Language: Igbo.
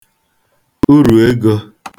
urù egō